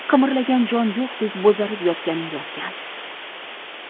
qimirlagan jon yo'qdek bo'zarib yotganing yotgan